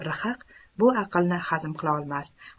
rhaq bu aqlni hazm qila olmas